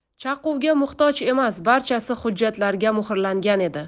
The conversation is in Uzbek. chaquvga muhtoj emas barchasi hujjatlarga muhrlangan edi